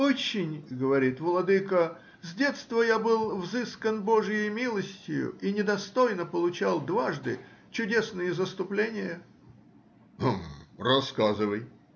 — Очень,— говорит,— владыко, с детства я был взыскан божиею милостию и недостойно получал дважды чудесные заступления. — Гм? рассказывай.